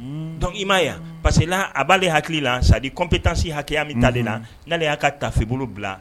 Dɔnc i ma yan parce quela a b'aale hakili la sadi kɔnp taasi hakɛya min ta na n'ale y'a ka tafebolo bila